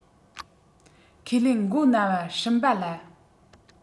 ཁས ལེན མགོ ན བ སྲུན པ ལ